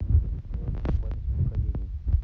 вклад память поколений